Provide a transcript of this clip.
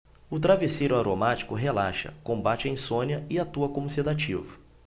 o travesseiro aromático relaxa combate a insônia e atua como sedativo